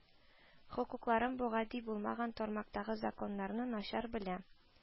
Хокукларын, бу гади булмаган тармактагы законнарны начар белә